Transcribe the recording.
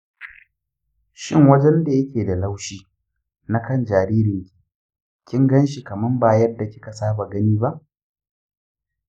shin wajenda yake da laushi na kan jaririnki kin ganshi kaman ba yadda kika saba gani ba?